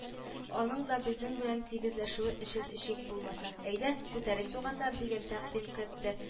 Аның да безнең белән тигезләшүе өчен эчик, булмаса. Әйдә, күтәрик, туганнар, - дигән тәкдим кертте